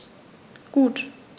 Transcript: Gut.